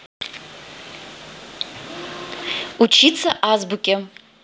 учиться азбуке